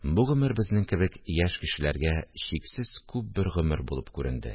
Бу гомер безнең кебек яшь кешеләргә чиксез күп бер гомер булып күренде